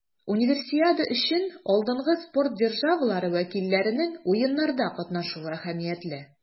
Универсиада өчен алдынгы спорт державалары вәкилләренең Уеннарда катнашуы әһәмиятле.